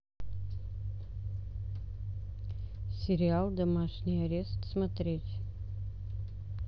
сериал домашний арест смотреть